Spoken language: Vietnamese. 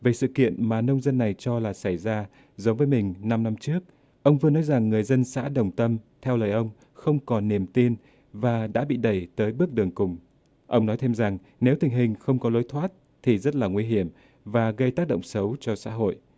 về sự kiện mà nông dân này cho là xảy ra giống với mình năm năm trước ông phương nói rằng người dân xã đồng tâm theo lời ông không còn niềm tin và đã bị đẩy tới bước đường cùng ông nói thêm rằng nếu tình hình không có lối thoát thì rất là nguy hiểm và gây tác động xấu cho xã hội